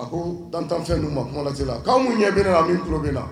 A ko dan tanfɛn' ma kuma la k'' ɲɛb la a min tulo bɛ la